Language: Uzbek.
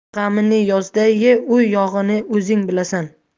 qish g'amini yozda ye u yog'ini o'zing bilasan